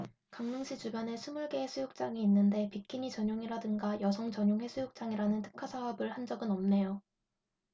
강릉시 주변에 스물 개 해수욕장이 있는데 비키니 전용이라든가 여성 전용 해수욕장이라는 특화사업을 한 적은 없네요